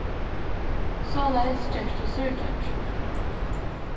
soleiðis gert tú súrdeiggj